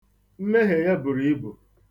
Mmehie ya buru ibu.